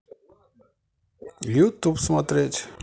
ютуб смотреть